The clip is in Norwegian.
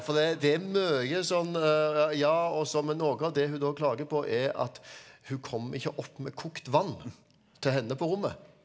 for det det er mye sånn ja og så men noe av det hun da klager på er at hun kommer ikke opp med kokt vann til henne på rommet.